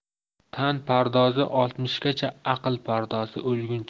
tan pardozi oltmishgacha aql pardozi o'lguncha